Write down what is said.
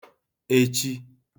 echi